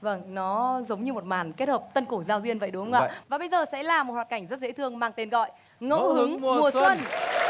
vâng nó giống như một màn kết hợp tân cổ giao duyên vậy đúng không ạ bây giờ sẽ là một hoạt cảnh rất dễ thương mang tên gọi ngẫu hứng mùa xuân